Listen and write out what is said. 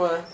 oui